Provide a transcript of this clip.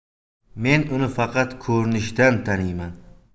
men uni faqat ko'rinishidan taniyman